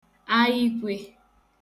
ayikwe